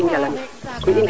Marie Faye o Ndoundookh